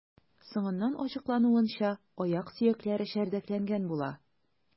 Соңыннан ачыклануынча, аяк сөякләре чәрдәкләнгән була.